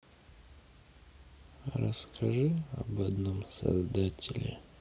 расскажи об одном создателе